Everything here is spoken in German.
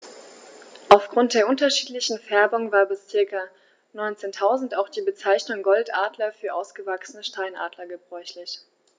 Auf Grund der unterschiedlichen Färbung war bis ca. 1900 auch die Bezeichnung Goldadler für ausgewachsene Steinadler gebräuchlich.